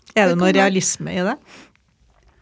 er det noe realisme i det?